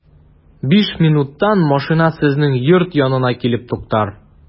Биш минуттан машина сезнең йорт янына килеп туктар.